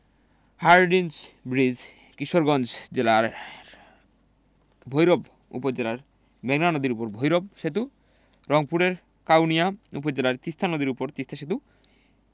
Hardinge bridge Kishoreganj জেলার ভৈরব উপজেলায় মেঘনা নদীর উপর ভৈরব সেতু রংপুরের কাউনিয়া উপজেলায় তিস্তা নদীর উপর তিস্তা সেতু